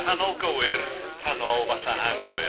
Rhannol gywir, rhannol falle anghywir.